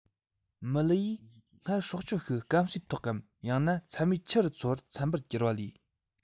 མུ ལི ཡིས སྔར སྲོག ཆགས ཤིག སྐམ སའི ཐོག གམ ཡང ན ཚྭ མེད ཆུ རུ འཚོ བར འཚམ པར གྱུར པ ལས